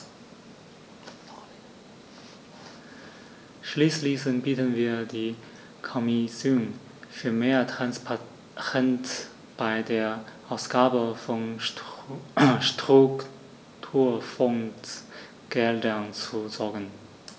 Schließlich bitten wir die Kommission, für mehr Transparenz bei der Ausgabe von Strukturfondsgeldern zu sorgen.